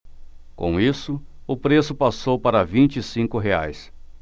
com isso o preço passou para vinte e cinco reais